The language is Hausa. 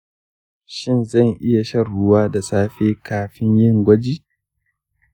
shin zan iya shan ruwa da safe kafin yin gwajin?